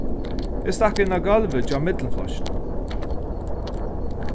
eg stakk inn á gólvið hjá millumflokkinum